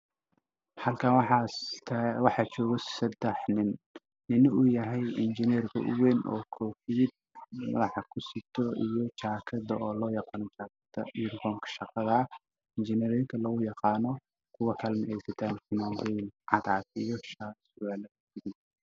Meeshan waxaa taagan saddex nin midowgato fanaanad cagaar ah labaan ay wataan dhar cadaan ah gacanta ayey wax ku haya